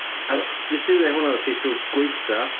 A wnest ti deud na hwnna oedd y teitl gwaethaf?